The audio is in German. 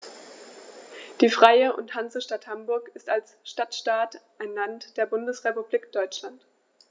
Die Freie und Hansestadt Hamburg ist als Stadtstaat ein Land der Bundesrepublik Deutschland.